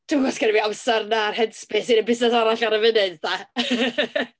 Dwi'm yn gwybod os 'sgenna fi amser na'r headspace i wneud busnes arall ar y funud de .